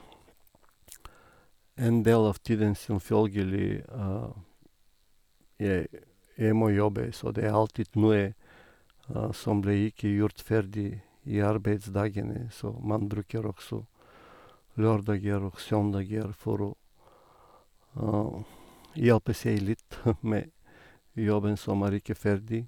En del av tiden selvfølgelig jeg jeg må jobbe, så det er alltid noe som ble ikke gjort ferdig i arbeidsdagene, så man bruker også lørdager og søndager for å hjelpe seg litt med jobben som er ikke ferdig.